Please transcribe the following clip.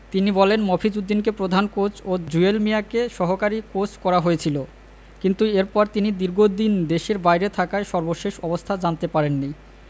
তিনি বলেন মফিজ উদ্দিনকে প্রধান কোচ ও জুয়েল মিয়াকে সহকারী কোচ করা হয়েছিল কিন্তু এরপর তিনি দীর্ঘদিন দেশের বাইরে থাকায় সর্বশেষ অবস্থা জানতে পারেননি